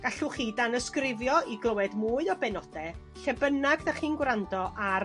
Gallwch chi danysgrifio i glywed mwy o benode lle bynnag 'da chi'n gwrando ar